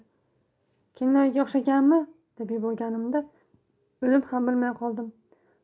kennoyiga o'xshaganmi deb yuborganimni o'zim ham bilmay qoldim